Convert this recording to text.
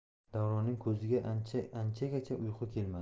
davronning ko'ziga anchagacha uyqu kelmadi